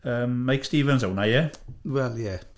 Yym Meic Stevens, oedd hwnna ie?... Wel, ie.